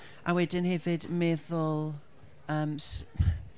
A wedyn hefyd meddwl yym s- ...